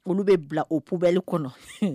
Olu bɛ bila o publi kɔnɔ